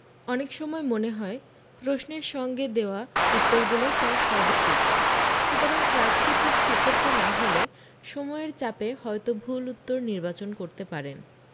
অনেক সময় মনে হয় প্রশ্নের সঙ্গে দেওয়া উত্তরগুলো প্রায় সবি সঠিক সুতরাং প্রার্থী খুব সতর্ক না হলে সময়ের চাপে হয়তো ভুল উত্তর নির্বাচন করতে পারেন